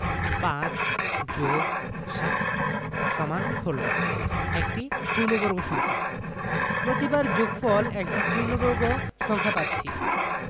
৫+৭=১৬ একটি পূর্ণবর্গ সংখ্যা প্রতিবার যোগফল একটি পূর্ণবর্গ সংখ্যা পাচ্ছি